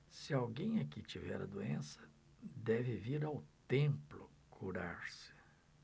se alguém aqui tiver a doença deve vir ao templo curar-se